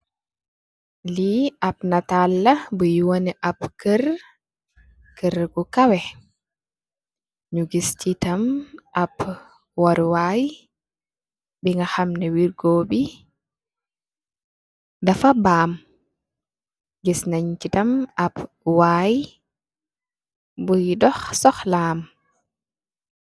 lii ab natalla bu wone ab kër, kër gu kawe ñu gis ci tam ab waruwaay bi nga xamne wirgoo bi dafa baam gis nañu citam ab waay buy dox soxlaam.